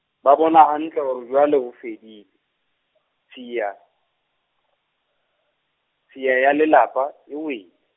ba bona hantle hore jwale ho fedile, tshiya , tshiya ya le lapa, e wele.